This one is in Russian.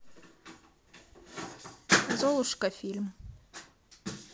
золушка фильм